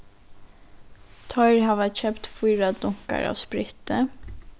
teir hava keypt fýra dunkar av spritti